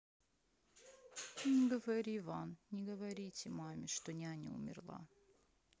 не говори ван не говорите маме что няня умерла